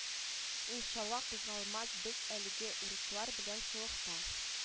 Иншалла кузгалмас без әлегә урыслар белән солыхта